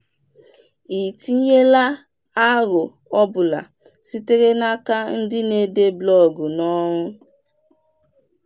Ị tinyela aro ọbụla sitere n'aka ndị na-ede blọọgụ n'ọrụ?